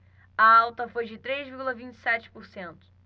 a alta foi de três vírgula vinte e sete por cento